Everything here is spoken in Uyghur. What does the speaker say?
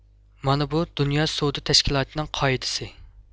مانا بۇ دۇنيا سودا تەشكىلاتىنىڭ قائىدىسى